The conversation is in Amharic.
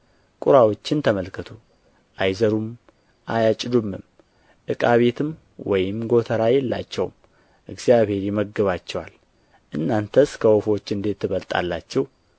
ቍራዎችን ተመልከቱ አይዘሩም አያጭዱምም ዕቃ ቤትም ወይም ጎተራ የላቸውም እግዚአብሔርም ይመግባቸዋል እናንተስ ከወፎች እንዴት ትበልጣላችሁ